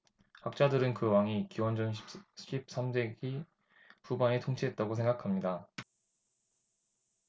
학자들은 그 왕이 기원전 십 삼 세기 후반에 통치했다고 생각합니다